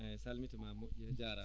eeyi salmitimama moƴƴii a jaaraama